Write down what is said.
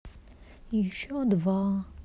еще два